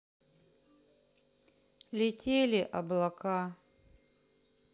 летели облака